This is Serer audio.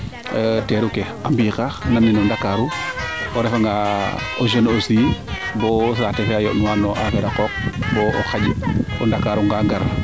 teeru ke a mbiiqa nan nen o Ndakarou o refa nga o jeune aussi bo saate of a yond nuwa no affaire a qooq bo xanj o ndakarou nga gar